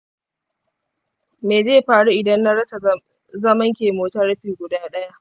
me zai faru idan na rasa zaman chemotherapy guda ɗaya?